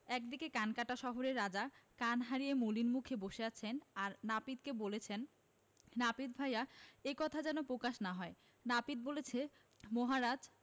এদিকে কানকাটা শহরে রাজা কান হারিয়ে মলিন মুখে বসে আছেন আর নাপিতকে বলছেন নাপিত ভায়া এ কথা যেন প্রকাশ না হয় নাপিত বলছে মহারাজ